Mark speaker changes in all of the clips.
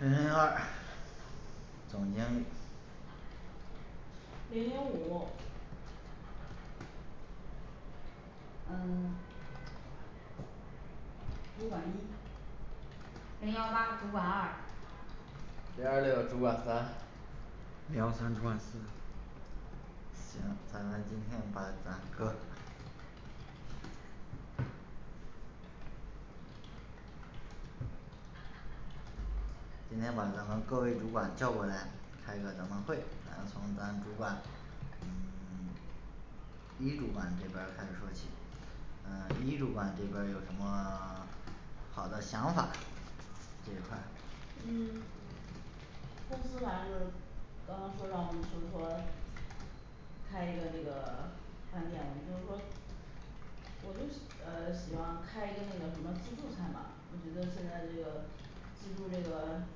Speaker 1: 零零二 总经理
Speaker 2: 零零五嗯 个 主管一
Speaker 3: 零幺八主管二
Speaker 4: 零二六主管三
Speaker 5: 零幺三主管四
Speaker 1: 行咱们今天把咱各今天把咱们各位主管叫过来开一个咱们会咱从咱主管嗯 一主管这边儿开始说起嗯一主管这边儿有什么 好的想法这一块儿
Speaker 2: 嗯 公司反正就是刚刚收到就是说开一个这个 饭店我们就是说我就是呃希望开一个那个什么自助餐吧我觉得现在这个自助这个呃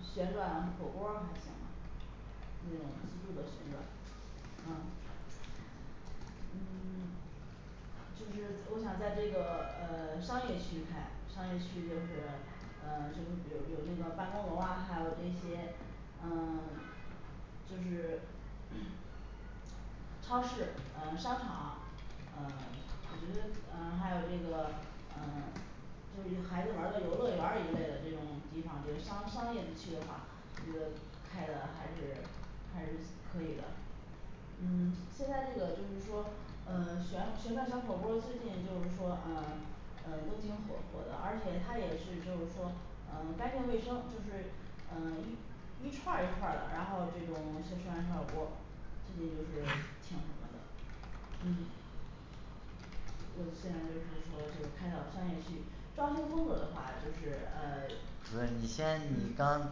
Speaker 2: 旋转火锅儿还行吧那种自助的旋转嗯嗯 就是我想在这个呃商业区开商业区就是呃就是有有那个办公楼啊还有这些嗯 就是 超市嗯商场嗯 我觉得嗯还有这个嗯 就是孩子玩个游乐园儿一类的这种地方儿这个商商业地区的话这个开得还是还是可以的嗯现在这个就是说呃旋旋转小火锅儿最近就是说嗯嗯都挺火火的而且它也是就是说呃干净卫生就是呃一一串儿一串儿的然后这种自涮小火锅儿最近就是挺什么的嗯 我选就是说就是开到商业区装修风格的话就是呃
Speaker 1: 不是你先你
Speaker 2: 嗯
Speaker 1: 刚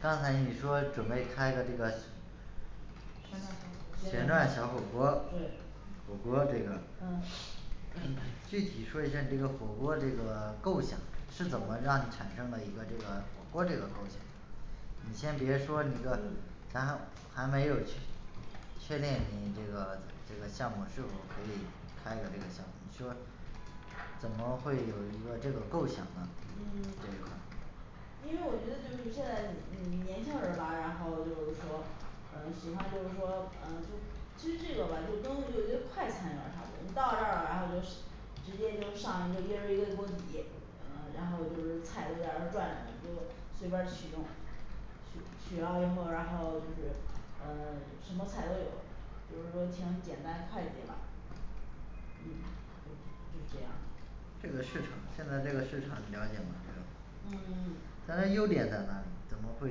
Speaker 1: 刚才你说准备开一个这个
Speaker 2: 旋
Speaker 1: 旋
Speaker 3: 旋转小火锅儿
Speaker 2: 转
Speaker 1: 转小火锅儿嗯
Speaker 2: 对
Speaker 1: 火锅儿这个
Speaker 2: 嗯
Speaker 1: 具体说一下你这个火锅这个构想是什么
Speaker 2: 嗯
Speaker 1: 让你产生了一个这个火锅儿这个构想你先别说你的
Speaker 2: 嗯
Speaker 1: 然后还没有去 确定你这个这个项目是否可以开个这种你说怎么会有一个这种构想啊
Speaker 2: 嗯
Speaker 1: 这种
Speaker 2: 因为我觉得就是现在嗯年轻人儿吧然后就是说嗯喜欢就是说嗯就其实这个吧就跟有些快餐有点儿差不多你到这儿了然后就是直接就上一个一人儿一个锅底呃然后就是菜就在那儿转着吧你就随便儿取用取取到以后然后就是呃 什么菜都有就是说挺简单快捷吧嗯就就这样
Speaker 1: 这个市场现在这个市场你了解吗这个
Speaker 2: 嗯
Speaker 1: 咱的优点在哪里怎么会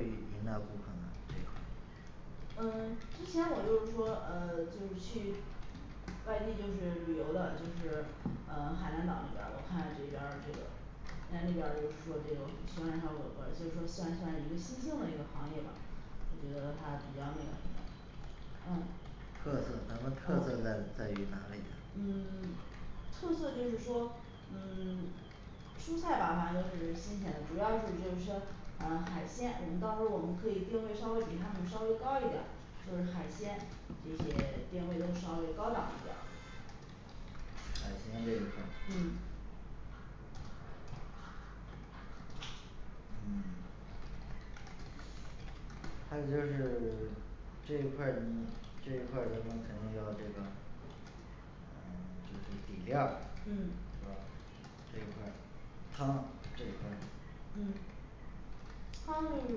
Speaker 1: 赢到顾客呢这个
Speaker 2: 嗯之前我就是说呃 就是去外地就是旅游的就是呃海南岛那边儿我看这边儿这个那那边儿就是说这个旋转小火锅就说算算一个新兴的一个行业吧我觉得它比较那个什么嗯
Speaker 1: 特色咱的特色
Speaker 2: 嗯
Speaker 1: 在在于哪里
Speaker 2: 嗯 特色就是说嗯 蔬菜吧反正就是新鲜的主要是就是说呃海鲜我们到时候我们可以定位稍微比他们稍微高一点儿就是海鲜这些定位都稍微高档一点儿
Speaker 1: 海鲜这一块儿
Speaker 2: 嗯
Speaker 1: 嗯 还有就是 这一块儿你这一块儿你们肯定要这个底底底料儿
Speaker 2: 嗯
Speaker 1: 是吧这一块儿汤这一块儿
Speaker 2: 嗯汤就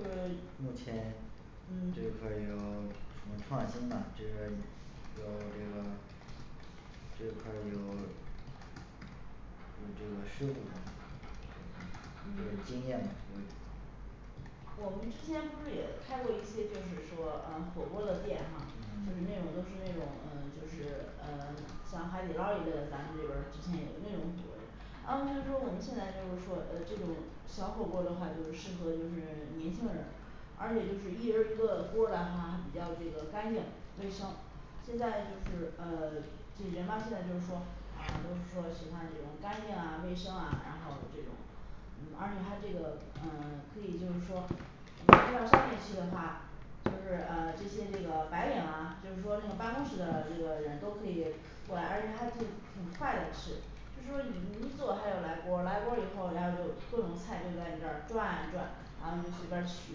Speaker 2: 是
Speaker 1: 目前这
Speaker 2: 嗯
Speaker 1: 块儿有有创新吗这边儿有这个这块儿有有这个涉及吗这块儿有
Speaker 2: 嗯
Speaker 1: 经验吗对
Speaker 2: 我们之前不是也开过一些就是说呃火锅儿的店哈
Speaker 1: 嗯
Speaker 2: 就是那种都是那种嗯 就是嗯像海底捞一类的咱们这边儿之前有的那种火锅店然后所以说我们现在就是说呃这种小火锅儿的话就适合就是年轻人儿而且就是一人儿一个锅的话它比较这个干净卫生现在就是呃这人嘛现在就是说呃都是说喜欢这种干净啊卫生啊然后这种嗯而且它这个嗯 可以就是说你开到商业去的话就是呃这些这个白领啊他就是说那种办公室的这个人都可以过来而且它这挺快的吃就是说你一坐它就来锅儿来锅儿以后然后就各种菜就在你这儿转呀转然后你就随便儿取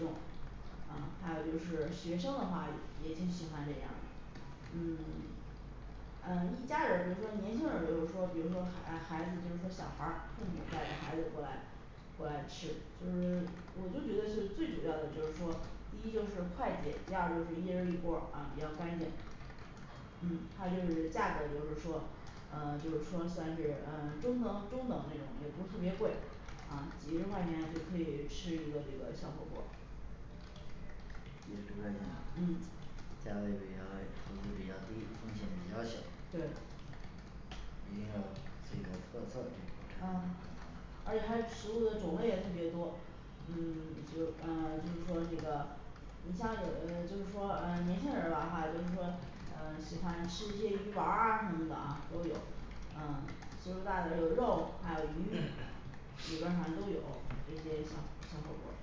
Speaker 2: 用嗯还有就是学生的话也也挺喜欢这样儿的嗯 嗯一家人儿比如说年轻人儿就是说比如说孩孩子就是说小孩儿父母带着孩子过来过来吃就是我就觉得是最主要的就是说第一就是快捷第二就是一人儿一锅儿啊比较干净嗯还有就是价格就是说呃就是说算是嗯中等中等那种也不是特别贵啊几十块钱就可以吃一个这个小火锅儿
Speaker 1: 几十块钱
Speaker 2: 嗯
Speaker 1: 价位比较投资比较低风险比较小
Speaker 2: 对
Speaker 1: 一定要有自己的特色这一块儿
Speaker 2: 嗯
Speaker 1: 咱
Speaker 2: 而且它食物的种类也特别多嗯 就啊就是说那个你像有的人就是说啊年轻人儿的话就是说呃喜欢吃一些鱼丸儿什么的啊都有啊就是大的有肉还有鱼里边儿反正都有这些小小火锅儿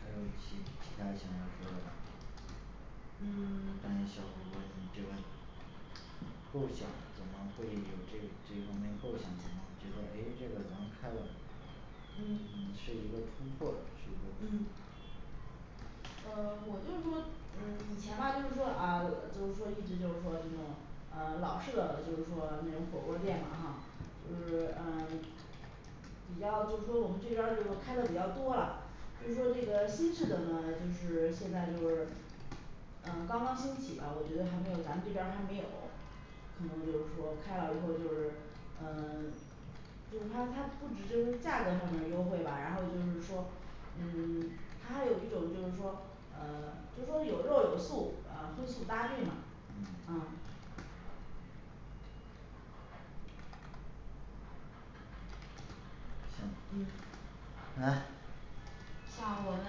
Speaker 1: 还有其其他想要说的吗
Speaker 2: 嗯
Speaker 1: 关于小火锅你觉得构想怎么会有这这方面构想怎么觉得诶这个咱开了嗯
Speaker 2: 嗯
Speaker 1: 是一种突破是一个突
Speaker 2: 嗯呃我就说嗯以前吧就是说啊就说一直就是说那种呃老式的就是说那种火锅店嘛哈就是呃比较就是说我们这边儿就说开的比较多啊就说这个新式的呢就是现在就是呃刚刚兴起吧我觉得还没有咱们这边儿还没有可能就是说开了以后就是嗯 就是它它不止就是价格上面儿优惠吧然后就是说嗯 它还有一种就是说呃就说有肉有素呃荤素搭配嘛
Speaker 1: 嗯
Speaker 2: 啊
Speaker 1: 行
Speaker 2: 嗯
Speaker 1: 你来
Speaker 3: 像我们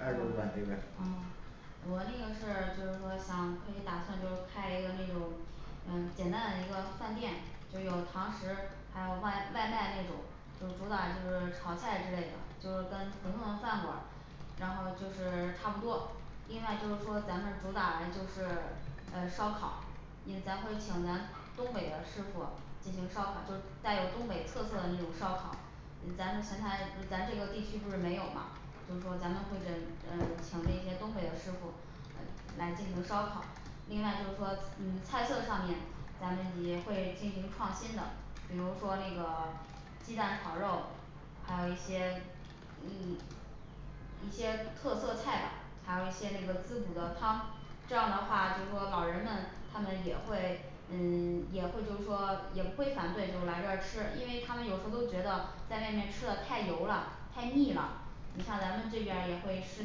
Speaker 2: 二主管这边儿
Speaker 3: 嗯我那个是就是说想可以打算就开一个那种嗯简单的一个饭店就有堂食还有外外卖那种就主打就是炒菜之类的就是跟普通的饭馆儿然后就是差不多另外就是说咱们主打嘞就是哎烧烤因咱会请咱东北的师傅进行烧烤就是带有东北特色的那种烧烤嗯咱们邢台不是咱这个地区不是没有吗就说咱们会真呃请那些东北的师傅呃来进行烧烤另外就说嗯菜色上面咱们也会进行创新的比如说那个鸡蛋炒肉还有一些嗯一些特色菜吧还有一些那个滋补的汤这样的话就说老人们他们也会嗯也会就说也不会反对就来这儿吃因为他们有时候都觉得在外面吃的太油了太腻了你像咱们这边儿也会适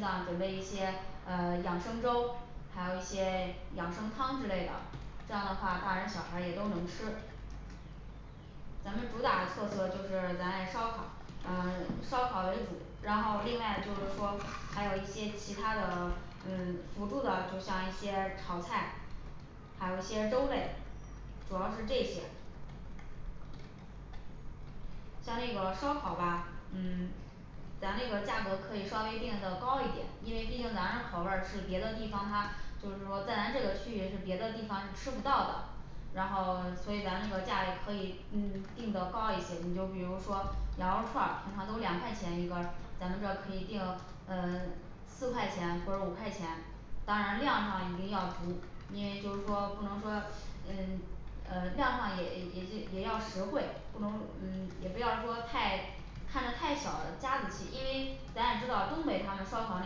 Speaker 3: 当准备一些呃养生粥还有一些养生汤之类的这样的话大人小孩儿也都能吃咱们主打特色就是咱嘞烧烤呃烧烤为主然后另外就是说还有一些其他的嗯辅助的就像一些炒菜还有一些粥类主要是这些像那个烧烤吧嗯咱那个价格可以稍微定得高一点因为毕竟咱那儿口味儿是别的地方它就是说在咱这个区域也是别的地方是吃不到的然后所以咱那个价位可以嗯定的高一些，你就比如说羊肉串儿平常都两块钱一根儿，咱们这儿可以定嗯 四块钱或者五块钱当然量上一定要足因为就是说不能说嗯呃量上也也是也要实惠不能嗯也不要说太看着太小家子气因为咱也知道东北他们烧烤那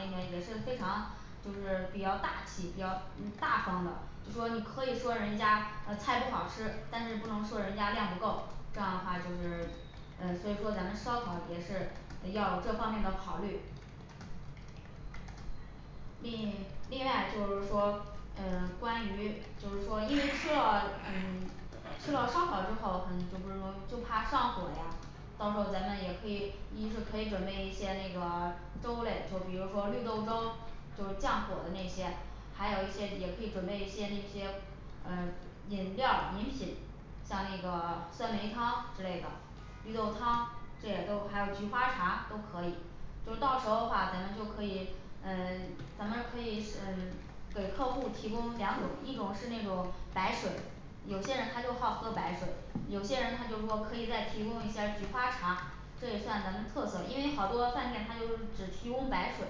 Speaker 3: 些也是非常就是比较大气比较嗯大方的就说你可以说人家啊菜不好吃但是不能说人家量不够这样的话就是诶所以说咱们烧烤也是要有这方面的考虑另另外就是说嗯关于就是说因为吃了嗯吃了烧烤之后很就是容易就怕上火呀到时候咱们也可以一是可以准备一些那个粥类就比如说绿豆粥就是降火的那些还有一些也可以准备一些那些呃饮料饮品像那个酸梅汤之类的绿豆汤这也都还有菊花茶都可以就到时候话就咱们就可以嗯咱们可以嗯给客户提供两种一种是那种白水有些人他就好喝白水有些人他就说可以再提供一下儿菊花茶这也算咱们特色因为好多饭店他就是只提供白水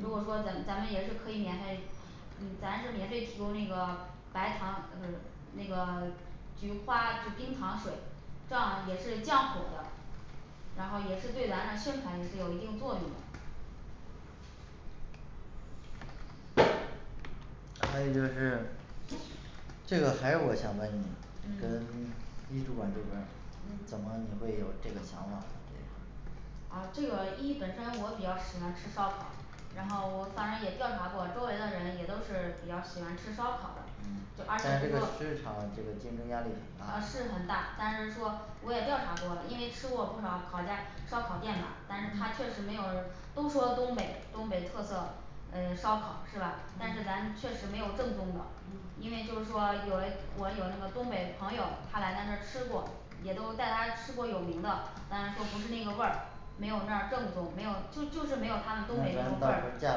Speaker 3: 如果说咱咱们也是可以免费嗯咱是免费提供那个白糖呃不是那个菊花就冰糖水这样也是降火的然后也是对咱这儿宣传也是有一定作用的
Speaker 1: 还有一个是这个还有我想问你跟
Speaker 3: 嗯
Speaker 1: 一主管这边儿怎么
Speaker 3: 嗯
Speaker 1: 你会有这个想法呢这个
Speaker 3: 啊这个一本身我比较喜欢吃烧烤然后我反而也调查过周围的人也都是比较喜欢吃烧烤的
Speaker 1: 嗯
Speaker 3: 就而且
Speaker 1: 但
Speaker 3: 这
Speaker 1: 这
Speaker 3: 个
Speaker 1: 个市场这个竞争压力
Speaker 3: 啊是
Speaker 1: 很大啊
Speaker 3: 很大但是说我也调查过了因为吃过不少烤架烧烤店嘛但是它确实没有都说东北东北特色嗯烧烤是吧但是
Speaker 2: 嗯
Speaker 3: 咱确实没有正宗的
Speaker 2: 嗯
Speaker 3: 因为就是说有嘞我有那个东北朋友他来咱这儿吃过也都带他吃过有名的但他说不是那个味儿 没有那儿正宗没有就就是没有
Speaker 1: 那
Speaker 3: 他们东北
Speaker 1: 咱
Speaker 3: 那种
Speaker 1: 们
Speaker 3: 味
Speaker 1: 到
Speaker 3: 儿
Speaker 1: 时价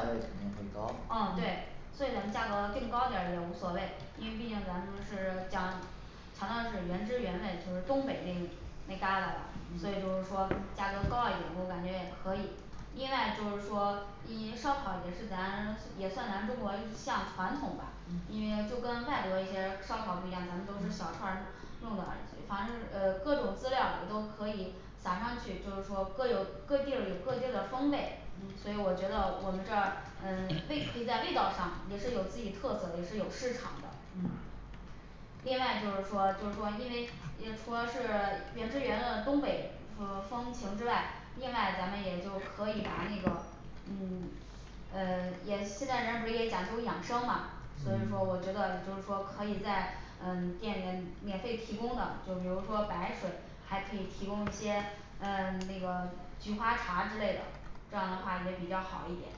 Speaker 1: 格也肯定会高
Speaker 3: 呃
Speaker 2: 嗯
Speaker 3: 对所以咱们价格定高点儿也无所谓因为毕竟咱们是讲强调的是原汁原味就是东北那那旮旯的所以
Speaker 2: 嗯
Speaker 3: 就是说价格高一点我感觉也可以另外就是说毕竟烧烤也是咱嗯也算咱中国一项传统吧因
Speaker 2: 嗯
Speaker 3: 为就跟外国一些烧烤不一样咱们都是小
Speaker 2: 嗯
Speaker 3: 串儿弄的呃反正呃各种孜料也都可以撒上去就是说各有各地儿有各地儿的风味
Speaker 2: 嗯
Speaker 3: 所以我觉得我们这儿嗯味可以在味道上也是有自己特色也是有市场的
Speaker 2: 嗯
Speaker 3: 另外就是说就是说因为因除了是原汁原味东北嗯风情之外另外咱们也就可以把那个嗯呃也现在人儿不是也讲究养生嘛所以说
Speaker 1: 嗯
Speaker 3: 我觉得就是说可以在嗯店里免费提供的就比如说白水还可以提供一些呃 那个菊花茶之类的这样的话也比较好一点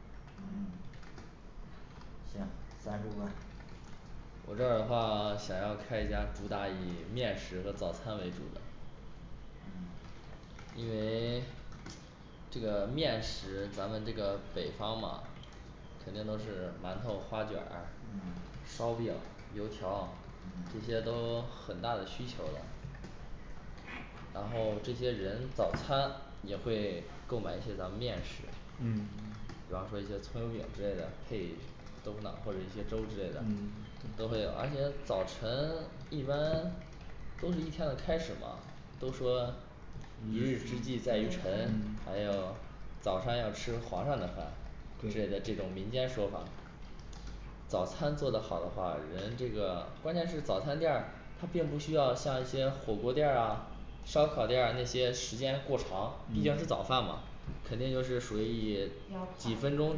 Speaker 3: 嗯
Speaker 1: 行三主管
Speaker 4: 我这儿的话想要开一家主打以面食和早餐为主的
Speaker 1: 嗯
Speaker 4: 因为这个面食咱们这个北方嘛肯定都是馒头花卷儿
Speaker 1: 嗯
Speaker 4: 烧饼油条这
Speaker 1: 嗯
Speaker 4: 些都很大的需求的然后这些人早餐也会购买一些咱们面食
Speaker 5: 嗯
Speaker 4: 比方说一些葱油饼之类的配豆腐脑或者一些粥之类的
Speaker 3: 嗯
Speaker 4: 都没有而且早晨一般粥是一天的开始嘛都说一日之计在
Speaker 3: 在
Speaker 4: 于
Speaker 3: 于晨
Speaker 4: 晨还有早餐要吃皇上的饭对待这这种民间说法早餐做得好的话人这个关键是早餐店儿它并不需要像一些火锅店儿啊烧烤店儿那些时间过长毕竟是
Speaker 3: 嗯
Speaker 4: 早饭嘛肯定就是属于
Speaker 3: 比
Speaker 4: 几
Speaker 3: 较快
Speaker 4: 分钟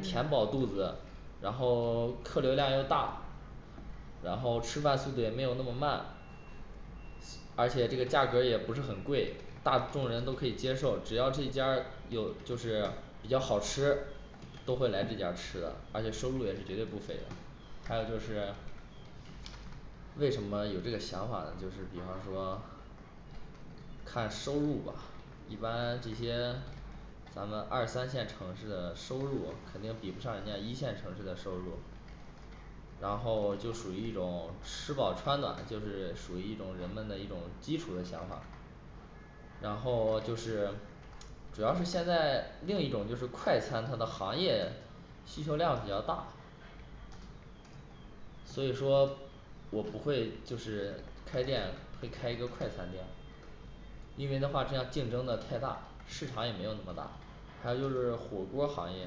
Speaker 4: 填饱肚子然后客流量又大然后吃饭速度也没有那么慢为什么有这个想法这就是比方说看收入吧一般这些咱们二三线城市的收入肯定比不上人家一线城市的收入然后就属于一种吃饱穿暖就是属于一种人们的一种基础的想法儿然后就是主要是现在另一种就是快餐它的行业需求量比较大所以说我不会就是开店会开一个快餐店因为的话这样竞争的太大市场也没有那么大还有就是火锅儿行业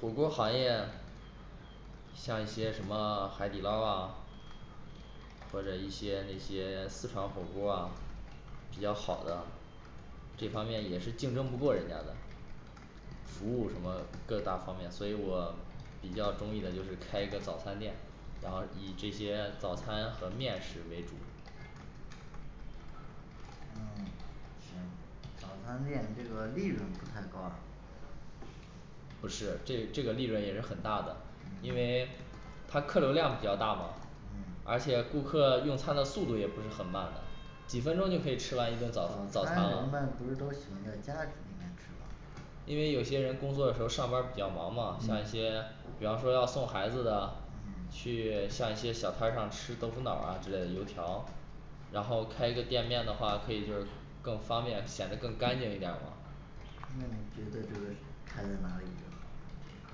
Speaker 4: 火锅儿行业像一些什么海底捞儿啊或者一些一些私房火锅儿啊比较好的这方面也是竞争不过人家的服务什么各大方面所以我比较中意的就是开一个早餐店然后以这些早餐和面食为主
Speaker 1: 嗯行早餐店这个利润不太高啊
Speaker 4: 不是这这个利润也是很大的因
Speaker 1: 嗯
Speaker 4: 为它客流量比较大嘛
Speaker 1: 嗯
Speaker 4: 而且顾客用餐的速度也不是很慢几分钟就可以吃完一顿早早餐
Speaker 1: 那
Speaker 4: 了
Speaker 1: 人们不是都喜欢在家里面吃吗
Speaker 4: 因为有些人工作的时候上班儿比较忙嘛像一
Speaker 1: 嗯
Speaker 4: 些比方说要送孩子的
Speaker 1: 嗯
Speaker 4: 去像一些小摊儿上吃豆腐脑啊之类的油条然后开一个店面的话可以就是更方便显得更干净一点儿嘛
Speaker 1: 嗯那你觉得这个开在哪里比较好呢这一块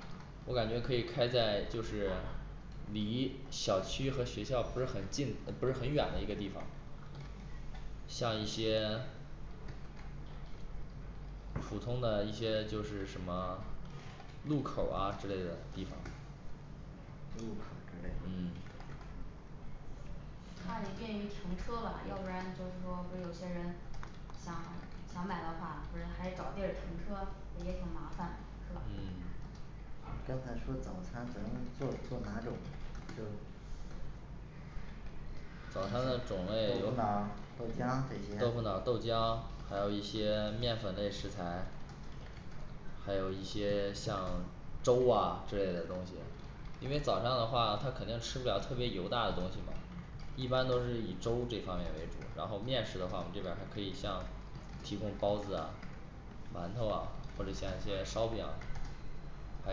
Speaker 1: 儿
Speaker 4: 我感觉可以开在就是离 小区和学校不是很近呃不是很远的一个地方像一些普通的一些就是什么路口儿啊之类的地方
Speaker 1: 路口之类
Speaker 4: 嗯
Speaker 1: 的
Speaker 3: 它也便于停车吧要不然就是说会有些人想想买的话不是还得找地儿停车不也挺麻烦是吧
Speaker 1: 嗯刚才说早餐咱们做
Speaker 3: 嗯
Speaker 1: 做哪种就
Speaker 4: 早餐的种
Speaker 1: 豆
Speaker 4: 类
Speaker 1: 腐脑儿豆浆这些
Speaker 4: 豆腐脑儿豆浆还有一些面粉类食材还有一些像粥啊之类的东西因为早上的话他肯定吃不了特别油大的东西嘛一般都是以粥这方面为主然后面食的话我们这边儿可以向提供包子啊馒头啊或者像一些烧饼啊还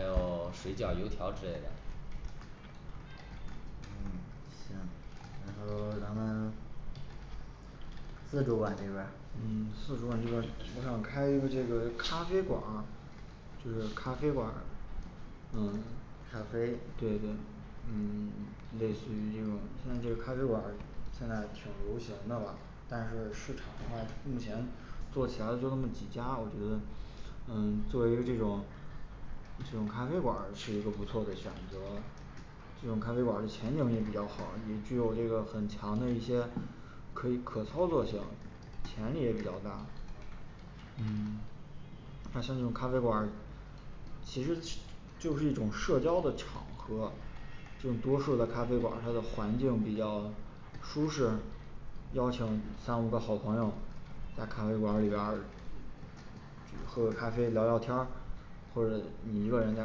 Speaker 4: 有水饺油条之类的
Speaker 1: 嗯行然后咱们四主管这边儿
Speaker 5: 嗯四主管这边儿我想开一个这个咖啡馆儿这个咖啡馆儿嗯
Speaker 1: 咖啡
Speaker 5: 对对嗯类似于这种那种咖啡馆儿现在挺流行的吧但是市场上目前做起来就那么几家我觉得嗯作为这种这种咖啡馆儿是一个不错的选择这种咖啡馆儿的前景也比较好也具有这个很强的一些可以可可操作性潜力也比较大嗯像现在这种咖啡馆儿其实其 就是一种社交的场合这种多数的咖啡馆儿还有环境比较舒适邀请三五个好朋友在咖啡馆儿里边儿喝喝咖啡聊聊天儿或者你一个人在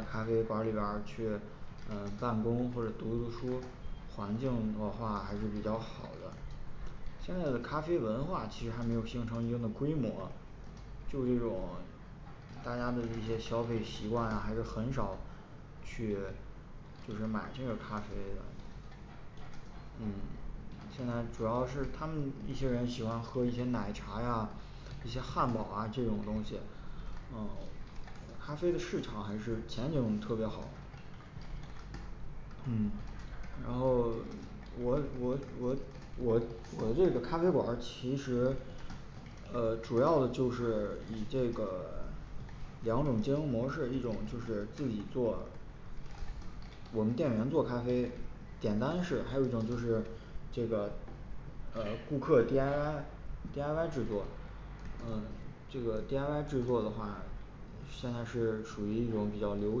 Speaker 5: 咖啡馆儿里边儿去呃办公或者读读书环境的话还是比较好的现在的咖啡文化其实还没有形成一个规模就一种大家的一些消费习惯啊还是很少去就是买这个咖啡嗯现在主要是他们一些人喜欢喝一些奶茶呀一些汉堡啊这种东西嗯咖啡的市场还是前景比特别好嗯然后我我我我我这个咖啡馆儿其实嗯主要的就是以这个两种经营模式一种就是自己做我们店员做咖啡简单式还有一种就是这个呃顾客D I Y D I Y制作嗯这个D I Y制作的话现在是属于一种比较流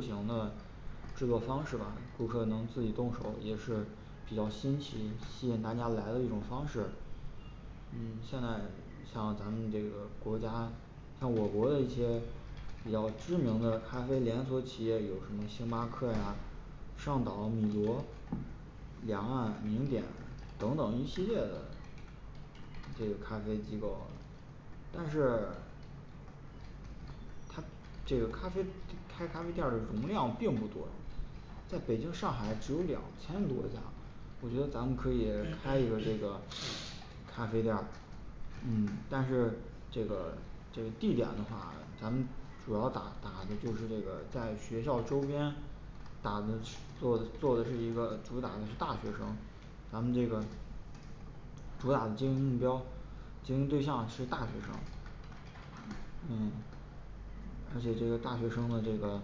Speaker 5: 行的制作方式吧顾客能自己动手也是比较新奇吸引大家来的一种方式嗯现在像咱们这个国家像我国的一些比较知名的咖啡连锁企业有什么星巴克呀上岛米萝两岸名典等等一系列的这个咖啡机构但是它这个咖啡这 开咖啡店儿的容量并不多在北京上海只有两千多家我觉得咱们可以开一个这个咖啡店儿
Speaker 1: 嗯
Speaker 5: 但是这个这个地点儿的话咱们主要打的还是就是这个在学校周边打的是做的做的是一个主打的大学生咱们这个主打的经营目标经营对象是大学生嗯而且这个大学生的这个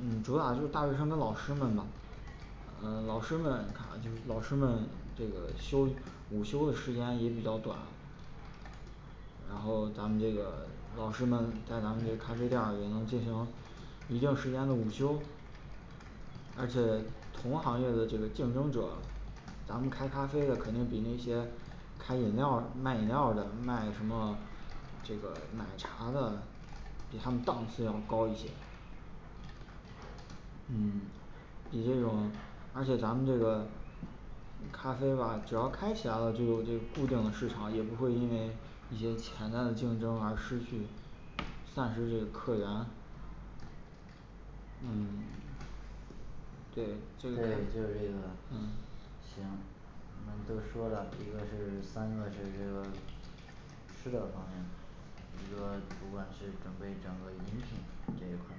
Speaker 5: 嗯主打就是大学生跟老师们嘛呃老师们呃老师们这个休午休的时间也比较短然后咱们这个老师们在咱这个咖啡店儿里能进行一定时间的午休而且同行业的这个竞争者咱们开咖啡的肯定比那些开饮料儿卖饮料儿的卖什么这个奶茶的比他们档次要高一些
Speaker 1: 嗯
Speaker 5: 也有而且咱们这个咖啡吧只要开起来了就有这个固定市场也不会因为一些潜在的竞争而失去丧失这个客源嗯这
Speaker 1: 这
Speaker 5: 这
Speaker 1: 就
Speaker 5: 个
Speaker 1: 这个
Speaker 5: 嗯
Speaker 1: 行你们都说了一个是三个是这个吃的方面一个主管是准备整个饮品这一块儿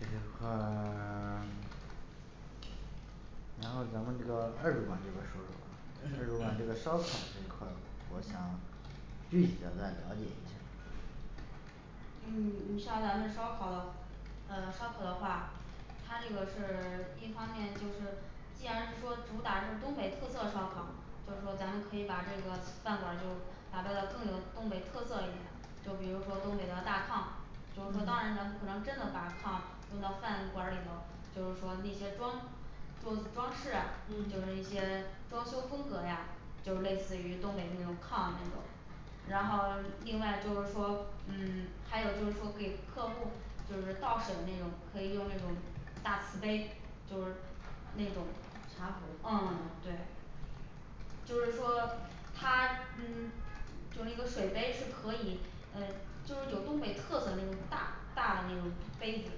Speaker 1: 这块儿 然后咱们这个二主管这边说的二主管这个烧烤这块儿我想具体的再了解一下儿
Speaker 3: 嗯你像咱们烧烤呃烧烤的话它这个是一方面就是既然是说主打是东北特色烧烤就是说咱们可以把这个饭馆就打造的更有东北特色一点儿就比如说东北的大炕就是说当
Speaker 2: 嗯
Speaker 3: 然咱们不能真的把炕扔到饭馆儿里头就是那些装做装饰啊就
Speaker 2: 嗯
Speaker 3: 那些装修风格呀就类似于东北那种炕那种然后另外就是说嗯还有就是说给客户就是倒水的那种可以用那种大瓷杯就是那种
Speaker 2: 茶壶
Speaker 3: 嗯对就是说它嗯就一个水杯是可以嗯就是有东北特色那种大大的那种杯子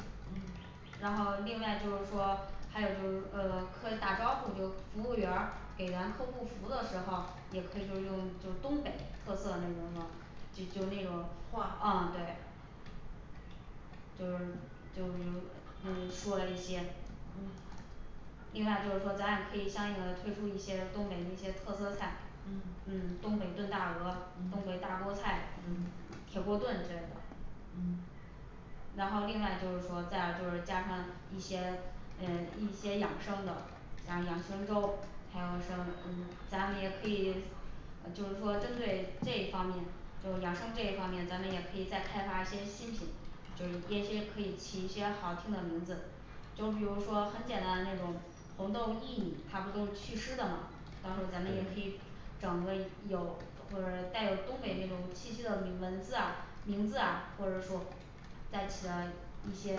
Speaker 2: 嗯
Speaker 3: 然后另外就是说还有就嗯客人打招呼儿就服务员儿给咱客户服务的时候儿也可以就用就东北特色那种什么就就那种
Speaker 2: 话
Speaker 3: 啊对就是就比如嗯说一些
Speaker 2: 嗯
Speaker 3: 另外就是说咱也可以相应的推出一些东北那些特色菜
Speaker 2: 嗯
Speaker 3: 嗯东北炖大鹅东北
Speaker 2: 嗯
Speaker 3: 大锅菜
Speaker 2: 嗯
Speaker 3: 铁锅炖之类的
Speaker 2: 嗯
Speaker 3: 然后另外就是说再加上一些嗯一些养生的像养生粥还有像嗯咱们也可以呃就是说针对这一方面就养生这一方面咱们也可以再开发一些新品就也也可以起一些好听的名字就比如说很简单的那种红豆薏米它不都是祛湿的嘛到时候咱们也
Speaker 1: 对
Speaker 3: 可以整个有或者带有东北那种气息的名文字啊名字啊或者说再起到一些